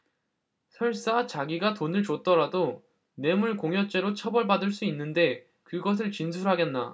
설사 자기가 돈을 줬더라도 뇌물공여죄로 처벌받을 수 있는데 그것을 진술하겠나